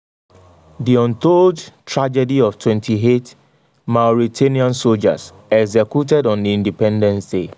The untold tragedy of 28 Mauritanian soldiers executed on Independence Day